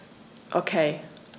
Okay.